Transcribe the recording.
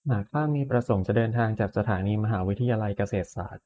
หากข้ามีประสงค์จะเดินทางจากสถานีมหาวิทยาลัยเกษตรศาสตร์